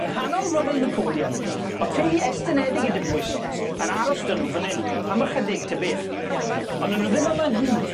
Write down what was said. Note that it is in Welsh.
Yng nghanol ryfel Napoleon o'dd teulu estynedig y Debuisons yn aros 'dy nw fyn 'yn, am ychydig ta beth ond o'n nw ddim yma'n hir.